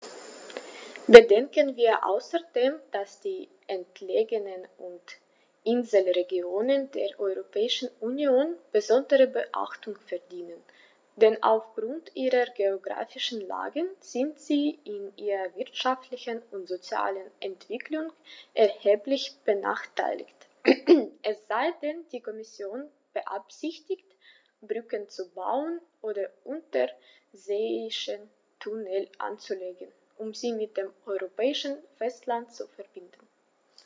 Bedenken wir außerdem, dass die entlegenen und Inselregionen der Europäischen Union besondere Beachtung verdienen, denn auf Grund ihrer geographischen Lage sind sie in ihrer wirtschaftlichen und sozialen Entwicklung erheblich benachteiligt - es sei denn, die Kommission beabsichtigt, Brücken zu bauen oder unterseeische Tunnel anzulegen, um sie mit dem europäischen Festland zu verbinden.